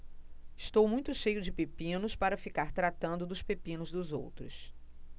estou muito cheio de pepinos para ficar tratando dos pepinos dos outros